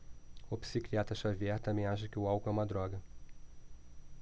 o psiquiatra dartiu xavier também acha que o álcool é uma droga